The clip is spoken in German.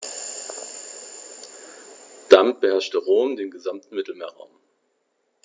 Damit beherrschte Rom den gesamten Mittelmeerraum.